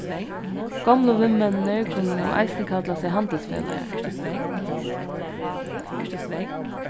gomlu vinmenninir kunnu nú eisini kalla seg handilsfelagar